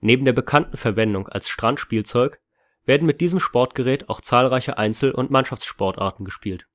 Neben der bekannten Verwendung als Strandspielzeug werden mit diesem Sportgerät auch zahlreiche Einzel - und Mannschaftssportarten gespielt